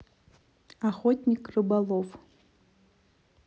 охотник рыболов